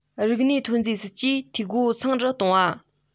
རིག གནས ཐོན ལས སྲིད ཇུས འཐུས སྒོ ཚང དུ གཏོང བ